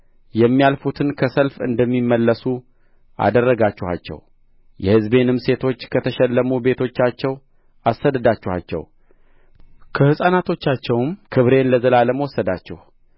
የሚያልፉትን ከሰልፍ እንደሚመለሱ አደረጋችኋቸው የሕዝቤንም ሴቶች ከተሸለሙ ቤቶቻቸው አሳደዳችኋቸው ከሕፃናቶቻቸውም ክብሬን ለዘላለም ወሰዳችሁ